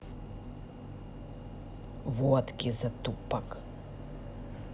вотки затупок